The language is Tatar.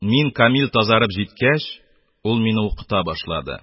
Мин камил тазарып җиткәч, ул мине укыта башлады.